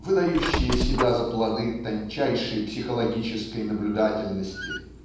выдающие себя за плоды тончайшей психологической наблюдательности.